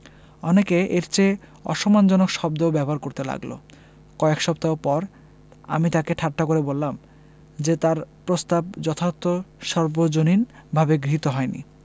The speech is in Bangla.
অনেকে এর চেয়ে অসম্মানজনক শব্দ ব্যবহার করতে লাগল কয়েক সপ্তাহ পর আমি তাঁকে ঠাট্টা করে বললাম যে তাঁর প্রস্তাব যথার্থ সর্বজনীনভাবে গৃহীত হয়নি